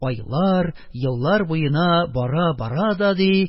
Айлар, еллар буенча бара-бара да, ди,